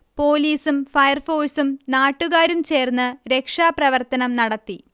പോലീസും ഫയർഫോഴ്സും നാട്ടുകാരും ചേർന്ന് രക്ഷാപ്രവർത്തനം നടത്തി